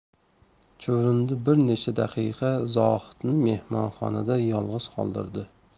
chuvrindi bir necha daqiqa zohidni mehmonxonada yolg'iz qoldirdi